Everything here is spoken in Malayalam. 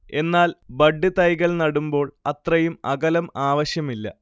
എന്നാൽ ബഡ്ഡ് തൈകൾ നടുമ്പോൾ അത്രയും അകലം ആവശ്യമില്ല